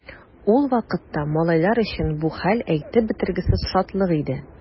Ул вакытта малайлар өчен бу хәл әйтеп бетергесез шатлык иде.